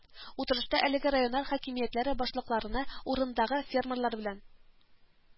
Утырышта әлеге районнар хакимиятләре башлыкларына урындагы фермерлар белән